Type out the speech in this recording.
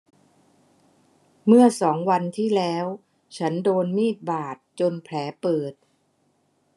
เมื่อสองวันที่แล้วฉันโดนมีดบาดจนแผลเปิด